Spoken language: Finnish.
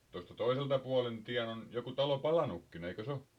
tuosta toiselta puolen tien on joku talo palanutkin eikös ole